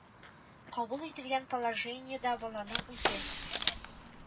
Кабул ителгән положениедә баланың үзе